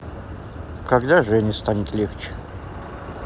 когда женя станет легче